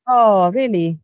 O, rili?